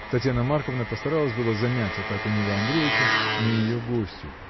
Татьяна Марковна постаралась было замять атаку Нила Андреича на ее гостью.